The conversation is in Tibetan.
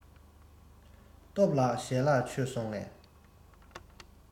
སྟོབས ལགས ཞལ ལག མཆོད སོང ངས